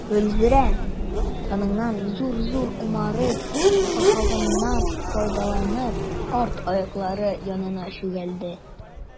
Гөлзәрә, тананың зур-зур умырып ашавыннан файдаланып, арт аяклары янына чүгәләде.